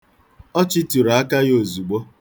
Ọ chịturu aka ya ozugbo.